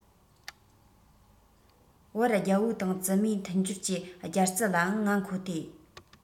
བར རྒྱལ པོ དང བཙུན མོའི མཐུན སྦྱོར གྱི སྦྱར རྩི ལའང ང མཁོ སྟེ